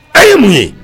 A ye mun ye?